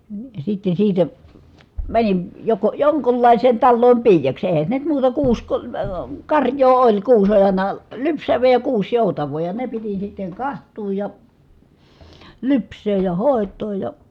sitten siitä menin joko jonkunlaiseen taloon piiaksi eihän se nyt muuta kuusi -- karjaa oli kuusi oli aina lypsävää ja kuusi joutavaa ja ne piti sitten katsoa ja lypsää ja hoitaa ja